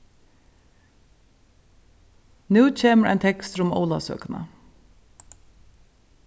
nú kemur ein tekstur um ólavsøkuna